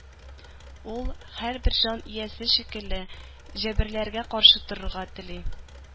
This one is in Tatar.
Ул, һәрбер җан иясе шикелле, җәберләргә каршы торырга тели.